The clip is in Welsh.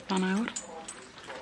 A nawr?